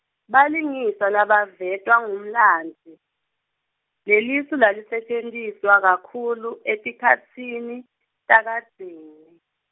balingiswa labavetwa ngumlandzi, lelisu lalisetjentiswa kakhulu etikhatsini, takadzeni.